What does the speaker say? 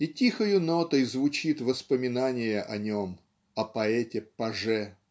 и тихою нотой звучит воспоминание о нем о поэте-паже.